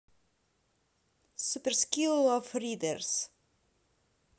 супер скилл low riders